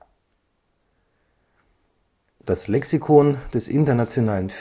16/1974